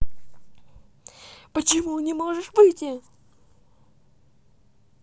почему не можешь выйти